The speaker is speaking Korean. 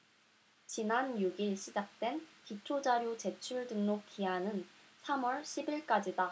지난 육 일 시작된 기초자료 제출 등록 기한은 삼 월 십 일까지다